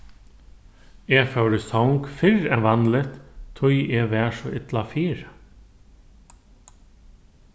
eg fór í song fyrr enn vanligt tí eg var so illa fyri